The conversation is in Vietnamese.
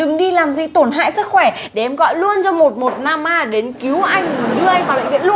đừng đi làm gì tổn hại sức khỏe để em gọi luôn cho một một năm á đến cứu anh đưa anh vào bệnh viện luôn